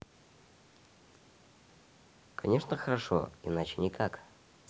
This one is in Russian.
конечно хорошо иначе никак